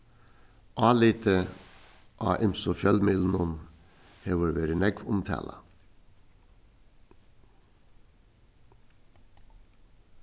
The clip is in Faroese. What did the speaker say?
álitið á ymsu fjølmiðlunum hevur verið nógv umtalað